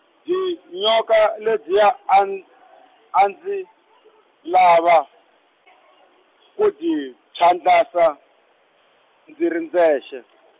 dyinyoka, ledyiya, a ndzi lava, ku dyi phyandlasa, ndizi- ri, ndzi ri ndzexe.